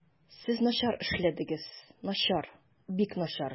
Сез начар эшләдегез, начар, бик начар.